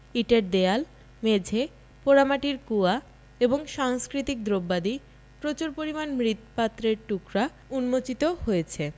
ইটের দেয়াল মেঝে পোড়ামাটির কুয়া এবং সাংষ্কৃতিক দ্রব্যাদি প্রচুর পরিমাণ মৃৎপাত্রের টুকরা উন্মোচিত হয়েছে